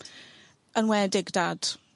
Enwedig dad.